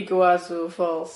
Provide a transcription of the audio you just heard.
Iguazu Falls.